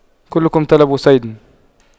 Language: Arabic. كلكم طلب صيد